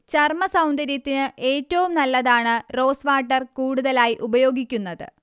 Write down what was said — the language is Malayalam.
ചർമ്മ സൗന്ദര്യത്തിന് ഏറ്റവും നല്ലതാണ് റോസ് വാട്ടർ കൂടുതലായി ഉപയോഗിക്കുന്നത്